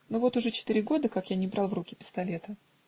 но вот уже четыре года, как я не брал в руки пистолета.